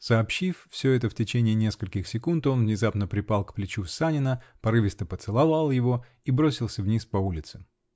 Сообщив все это в течение нескольких секунд, он внезапно припал к плечу Санина, порывисто поцеловал его и бросился вниз по улице.